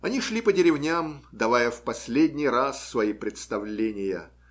Они шли по деревням, давая в последний раз свои представления.